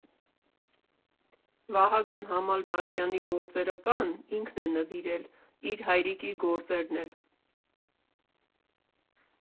Վահագն Համալբաշյանի գործերը կան՝ ինքն է նվիրել, իր հայրիկի գործերն էլ։